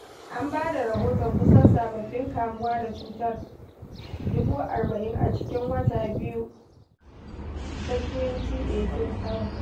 An ba da rahoton kusan sababbin kamuwar da cutar 40,000 a cikin kwata ta biyu ta 2018 kawai.